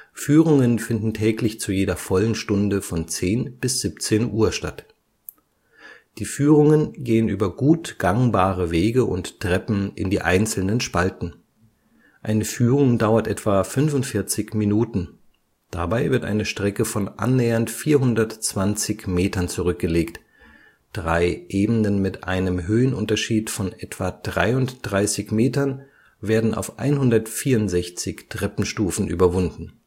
Führungen finden täglich zu jeder vollen Stunde von 10.00 bis 17.00 Uhr statt. Die Führungen gehen über gut gangbare Wege und Treppen in die einzelnen Spalten. Eine Führung dauert etwa 45 Minuten. Dabei wird eine Strecke von annähernd 420 Metern zurückgelegt, drei Ebenen mit einem Höhenunterschied von etwa 33 Metern werden auf 164 Treppenstufen überwunden